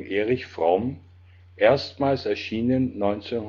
Erich Fromm, erstmals erschienen 1956